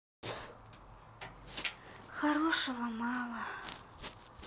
хорошего мало